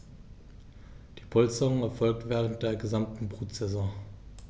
Diese Polsterung erfolgt während der gesamten Brutsaison.